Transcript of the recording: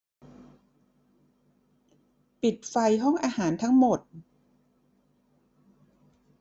ปิดไฟห้องอาหารทั้งหมด